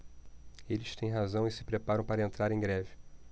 eles têm razão e se preparam para entrar em greve